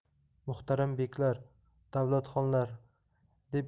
muhtaram beklar davlatxohlar deb